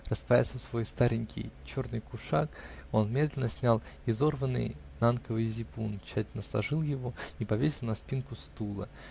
Распоясав свой старенький черный кушак, он медленно снял изорванный нанковый зипун, тщательно сложил его и повесил на спинку стула.